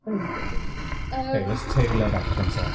Anyway yym... Okay, let's tailor that, one sec.